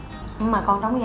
nhưng mà con đóng